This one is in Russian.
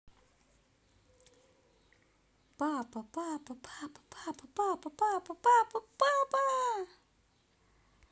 папа папа папа папа папа папа папа папа папа папа папа папа папа